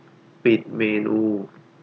ปิดเมนู